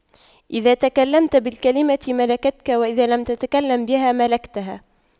إذا تكلمت بالكلمة ملكتك وإذا لم تتكلم بها ملكتها